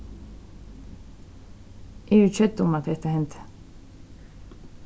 eg eri kedd um at hetta hendi